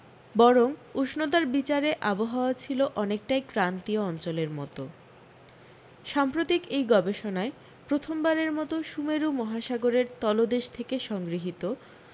বরং উষ্ণতার বিচারে আবহাওয়া ছিল অনেকটাই ক্রান্তীয় অঞ্চলের মতো সাম্প্রতিক এই গবেষণায় প্রথম বারের জন্য সুমেরু মহাসাগরের তলদেশ থেকে সংগৃহীত